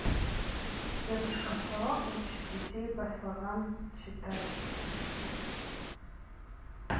тетушка сова учит детей по слогам учиться читать